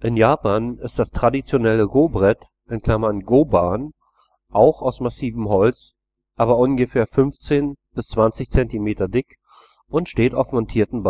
In Japan ist das traditionelle Go-Brett (碁盤, goban) auch aus massivem Holz, aber ungefähr 15 cm bis 20 cm dick und steht auf montierten